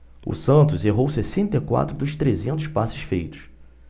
o santos errou sessenta e quatro dos trezentos passes feitos